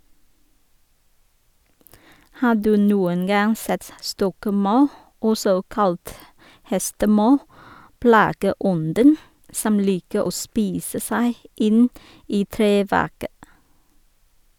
Har du noen gang sett stokkmaur, også kalt hestemaur, plageånden som liker å spise seg inn i treverket?